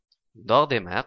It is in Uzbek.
undog' dema